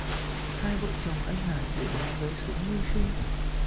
hai vợ chồng anh hải đều bán vé số mưu sinh